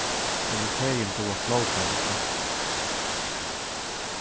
eg vil fegin duga flótandi enskt